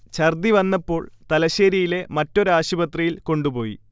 ഛര്ദ്ദി വന്നപ്പോള് തലശേരിയിലെ മറ്റൊരു ആശുപത്രിയിൽ കൊണ്ടുപോയി